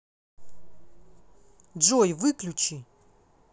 джой выключи